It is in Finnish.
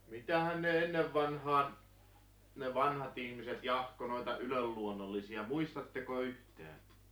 mitähän ne ennen vanhaan ne vanhat ihmiset jahkoi noita yliluonnollisia muistatteko yhtään